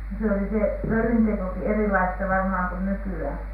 no silloin oli se pöllintekokin erilaista varmaan kuin nykyään